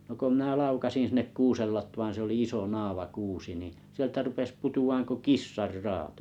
no kun minä laukaisin sinne kuusen latvaan se oli iso naavakuusi niin sieltä rupesi putoamaan kuin kissanraato